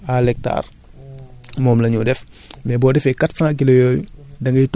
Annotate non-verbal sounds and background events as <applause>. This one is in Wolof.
muy <hesitation> ñenti téeméeri kilos phosphates maanaam quatre cent kilos à l' hectare